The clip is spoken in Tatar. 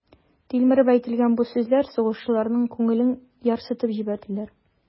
Тилмереп әйтелгән бу сүзләр сугышчыларның күңелен ярсытып җибәрделәр.